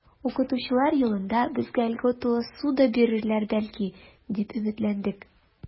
Укытучылар елында безгә льготалы ссуда бирерләр, бәлки, дип өметләндек.